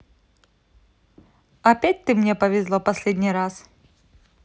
опять ты мне повезло последний раз